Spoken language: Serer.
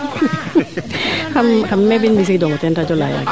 xam meembin mbisiidongo teen radio laa yaaga